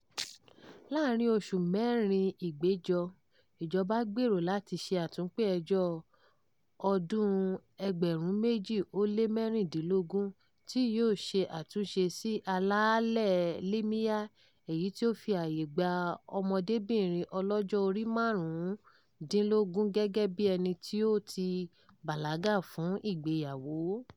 Láàárín oṣù mẹ́rin ìgbẹ́jọ́, ìjọba gbèrò láti ṣe àtúnpè-ẹjọ́ ọdún-un 2016 tí yó ṣe àtúnṣe sí àlàálẹ̀ LMA èyí tí ó fi àyè gba ọmọdébìnrin ọlọ́jọ́-orí márùn-úndínlógún gẹ́gẹ́ bí ẹni tí ó ti bàlágà fún ìgbéyàwó.